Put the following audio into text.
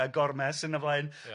A Gormes yn y flaen. Ia.